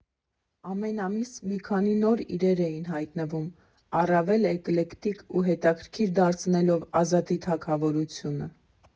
Ամեն ամիս մի քանի նոր իրեր էին հայտնվում՝ առավել էկլեկտիկ ու հետաքրքիր դարձնելով Ազատի թագավորությունը։